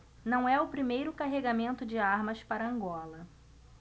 não é o primeiro carregamento de armas para angola